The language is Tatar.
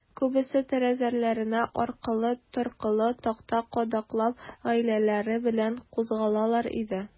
Күбесе, тәрәзәләренә аркылы-торкылы такта кадаклап, гаиләләре белән кузгалалар иде.